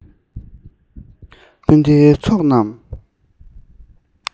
སྤུན ཟླའི ཚོགས རྣམས